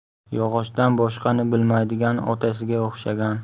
yog'ochdan boshqani bilmaydigan otasiga o'xshagan